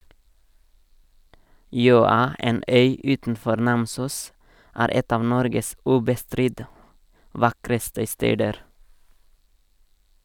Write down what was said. Jøa, en øy utenfor Namsos, er et av Norges ubestridt vakreste steder.